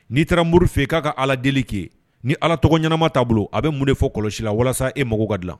N'i taara muru fɛ yen k'a ka ala deli k'e ni ala tɔgɔ ɲɛnama taaboloa bolo a bɛ mun de fɔ kɔlɔsi la walasa e mako ka dilan